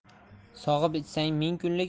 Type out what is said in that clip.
sog'ib ichsang ming kunlik